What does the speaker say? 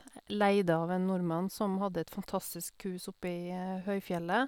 Leide av en nordmann som hadde et fantastisk hus oppi høyfjellet.